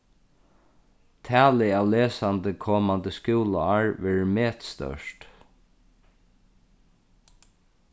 talið av lesandi komandi skúlaár verður metstórt